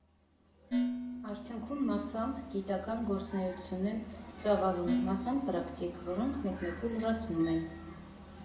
Արդյունքում, մասամբ գիտական գործունեություն եմ ծավալում, մասամբ պրակտիկ, որոնք մեկմեկու լրացնում են։